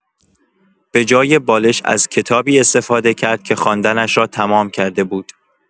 به‌جای بالش از کتابی استفاده کرد که خواندنش را تمام کرده بود.